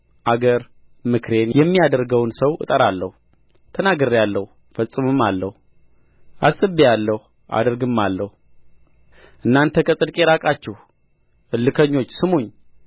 አገር ምክሬን የሚያደርገውን ሰው እጠራዋለሁ ተናግሬአለሁ እፈጽማለሁ አስቤአለሁ አደርግማለሁ እናንተ ከጽድቅ የራቃችሁ እልከኞች ስሙኝ